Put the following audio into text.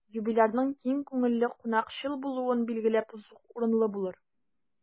Юбилярның киң күңелле, кунакчыл булуын билгеләп узу урынлы булыр.